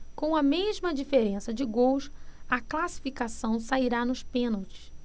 com a mesma diferença de gols a classificação sairá nos pênaltis